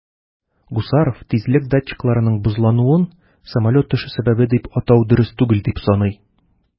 Гусаров тизлек датчикларының бозлануын самолет төшү сәбәбе дип атау дөрес түгел дип саный.